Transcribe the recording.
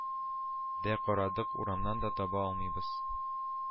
Дә карадык, урамнан да таба алмыйбыз